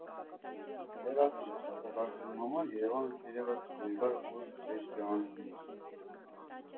«Խելացի» դասակարգվելու համար Երևանը թերևս երկար ուղի պետք է անցնի։